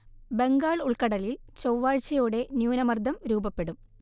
ബംഗാൾ ഉൾക്കടലിൽ ചൊവ്വാഴ്ചയോടെ ന്യൂനമർദം രൂപപ്പെടും